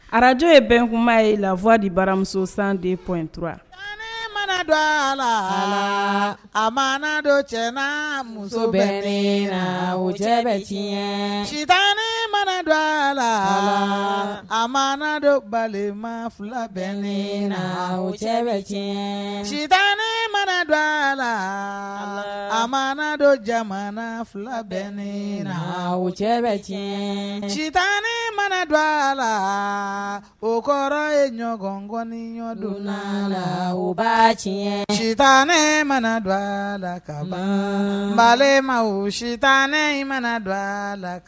Arajo ye bɛn kuma ye la fɔdi baramuso san de ptura mana mana don a la a ma dɔ cɛ muso bɛ ne la o cɛ bɛ tiɲɛ cita mana don a la a ma dɔ balima fila bɛ le wo cɛ bɛ cɛ ci mana dɔ a la a ma dɔ jamana fila bɛ ne o cɛ bɛ tiɲɛ cita ne mana don a la o kɔrɔ ye ɲɔgɔnkɔni ɲɔgɔndon la la ba tiɲɛ ci ne mana don a la ka balima wo sita ne mana don a la